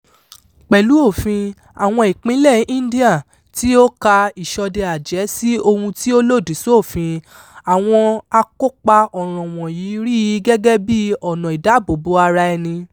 Pẹ̀lú òfin àwọn ìpínlẹ̀ India tí ó ka ìṣọdẹ-àjẹ́ sí ohun tí ó lòdì sófin, àwọn akópa ọ̀ràn wọ̀nyí rí i gẹ́gẹ́ bí ọ̀nà ìdáààbò-ara-ẹni.